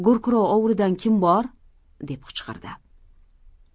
gurkurov ovulidan kim bor deb qichqir di